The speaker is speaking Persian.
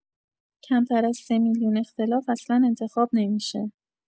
کمتر از ۳ میلیون اختلاف اصلا انتخاب نمی‌شه